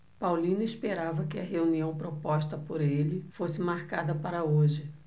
paulino esperava que a reunião proposta por ele fosse marcada para hoje